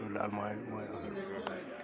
loolu daal mooy mooy